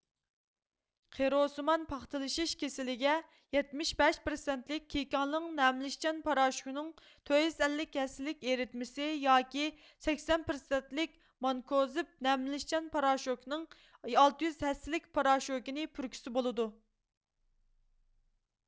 قىروسىمان پاختىلىشىش كېسىلىگە يەتمىش بەش پىرسەنتلىك كېكاڭلىڭ نەملىنىشچان پاراشوكىنىڭ تۆت يۇز ئەللىك ھەسسىلىك ئېرىتمىسى ياكى سەكسەن پىرسەنتلىك مانكوزېب نەملىنىشچان پاراشوكىنىڭ ئالتە يۈز ھەسسىلىك پاراشوكىنى پۈركۈسە بولىدۇ